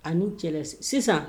An'u cɛla sisan